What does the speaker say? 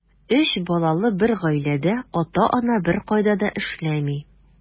Өч балалы бер гаиләдә ата-ана беркайда да эшләми.